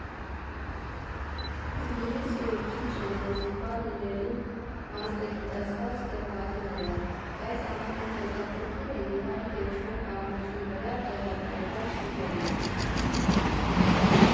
Թբիլիսիում քիչ չեն անտիկվար իրերի մասնագիտացած կրպակները, բայց ամենահետաքրքիրը, իհարկե, Չոր կամրջի վրա տեղակայված շուկան է։